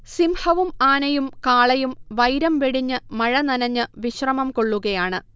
സിംഹവും ആനയും കാളയും വൈരം വെടിഞ്ഞ് മഴനനഞ്ഞ് വിശ്രമം കൊള്ളുകയാണ്